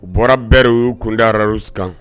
U bɔra bɛɛ y u y'u kunda arasi kan